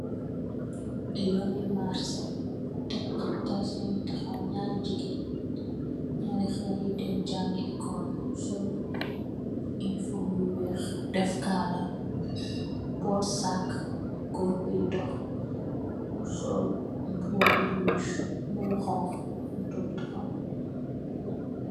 Yooni marse, tekchi tas yaangi takhaw, ñaari jigeen, ñaari xalle yuy dem kaangi ecool, sol ilifom bu weex, def kaala, boot saak, goor buy dox, sol mbuba bu xonxu, motor bu taxaw.